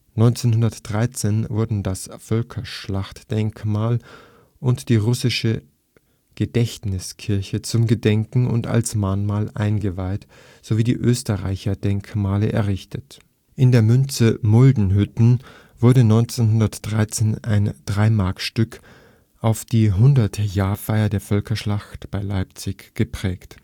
1913 wurden das Völkerschlachtdenkmal und die Russische Gedächtniskirche zum Gedenken und als Mahnmal eingeweiht sowie die Österreicher-Denkmale errichtet. In der Münze Muldenhütten wurde 1913 ein Dreimarkstück auf die 100-Jahr-Feier der Völkerschlacht bei Leipzig geprägt